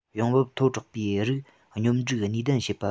ཡོང འབབ མཐོ དྲགས པའི རིགས སྙོམ སྒྲིག ནུས ལྡན བྱེད པ